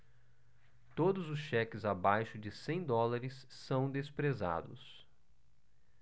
todos os cheques abaixo de cem dólares são desprezados